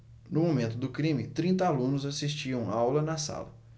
no momento do crime trinta alunos assistiam aula na sala